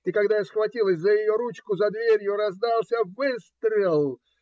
И когда я схватилась за ее ручку, за дверью раздался выстрел.